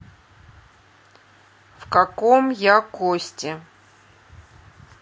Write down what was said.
в каком я кости